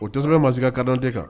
O tɛsɛ ma ka dantɛ kan